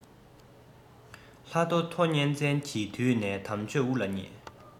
ལྷ ཐོ ཐོ གཉན བཙན གྱི དུས སུ དམ ཆོས དབུ བརྙེས སོ